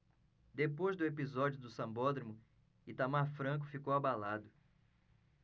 depois do episódio do sambódromo itamar franco ficou abalado